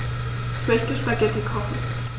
Ich möchte Spaghetti kochen.